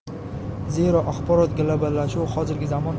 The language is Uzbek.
zero axborot globallashuvi hozirgi zamon